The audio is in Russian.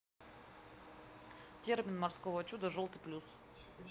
термин морского чудо желтый плюс